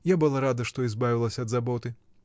Я была рада, что избавилась от заботы.